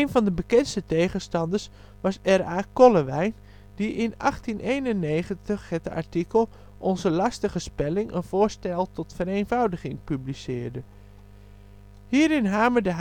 van de bekendste tegenstanders was R.A. Kollewijn, die in 1891 het artikel Onze lastige spelling. Een voorstel tot vereenvoudiging publiceerde. Hierin hamerde